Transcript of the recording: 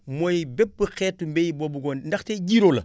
mooy bépp xeetu mbay boobu boo bëggoon ndax te jiiróo la